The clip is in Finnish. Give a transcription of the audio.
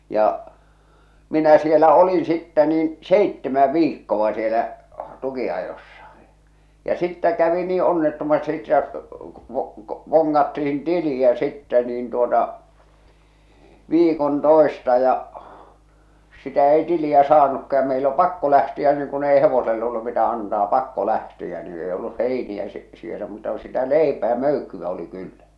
ja minä siellä olin sitten niin seitsemän viikkoa siellä tukinajossa ja sitten kävi niin onnettomasti että -- vongattiin tiliä sitten niin tuota viikon toista ja sitä ei tiliä saanutkaan ja meillä on pakko lähteä niin kun ei hevoselle ollut mitä antaa pakko lähteä niin ei ollut heiniä - siellä muuta kuin sitä leipää möykkyä oli kyllä